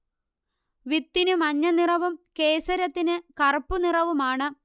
വിത്തിനു മഞ്ഞനിറവും കേസരത്തിനു കറുപ്പു നിറവുമാണ്